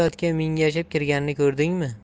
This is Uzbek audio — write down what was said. otga mingashib kirganini ko'rdingmi